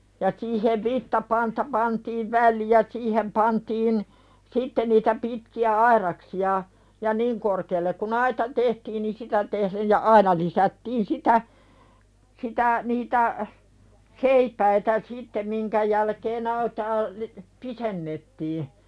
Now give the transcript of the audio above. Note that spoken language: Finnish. ja siihen vitsapanta pantiin väliin ja siihen pantiin sitten niitä pitkiä aidaksia ja niin korkealle kuin aita tehtiin niin sitä tehden ja aina lisättiin sitä sitä niitä seipäitä sitten minkä jälkeen aitaa - pidennettiin